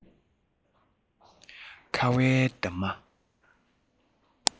ཁ བའི འདབ མ